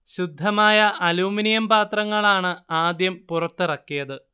ശുദ്ധമായ അലുമിനിയം പാത്രങ്ങളാണ് ആദ്യം പുറത്തിറക്കിയത്